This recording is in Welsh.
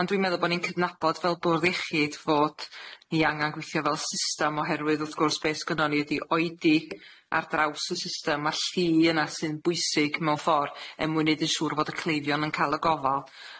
Ond dwi'n meddwl bo' ni'n cydnabod fel bwrdd iechyd fod ni angan gweithio fel systam oherwydd wrth gwrs be' sgynnon ni di oedi ar draws y system ma'r lli yna sy'n bwysig mewn ffor yym i neud yn siŵr fod y cleifion yn ca'l y gofal.